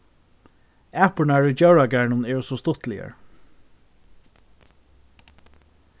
apurnar í djóragarðinum eru so stuttligar